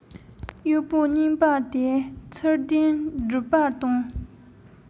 གཡོག པོ རྙིང པ དེ ཕྱིར དོན སྒྲུབ པར བཏང